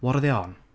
what are they on?